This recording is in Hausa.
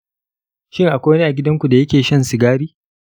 shin akwai wani a gidanku da yake shan cigari?